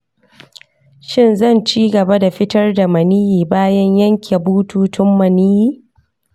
shin zan ci gaba da fitar da maniyyi bayan yanke bututun maniyyi?